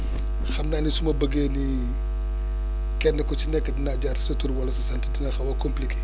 xam naa ne su ma bëggee ni kenn ku ci nekk dinaa jaar sa tur wala sa sant dina xaw a compliqué